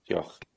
Diolch.